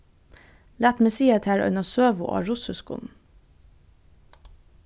lat meg siga tær eina søgu á russiskum